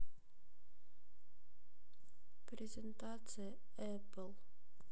презентация эпл